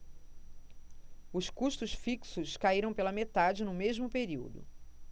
os custos fixos caíram pela metade no mesmo período